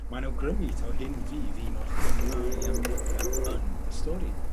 Mae'n awgrymu taw hyn fydd un o'r themâu amlyca yn y stori.